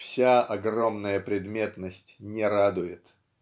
Вся огромная предметность не радует.